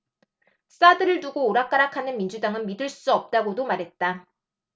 사드를 두고 오락가락하는 민주당은 믿을 수 없다고도 말했다